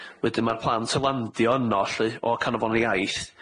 Wedyn ma'r plant yn landio yno lly o'r canolfanne iaith,